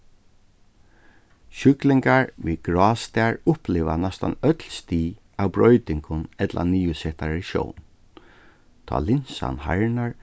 sjúklingar við grástar uppliva næstan øll stig av broytingum ella niðursettari sjón tá linsan harðnar